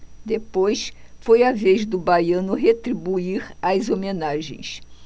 depois foi a vez do baiano retribuir as homenagens